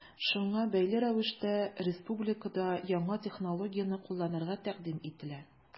Шуңа бәйле рәвештә республикада яңа технологияне кулланырга тәкъдим ителә.